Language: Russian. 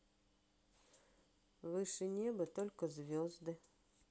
выше неба только звезды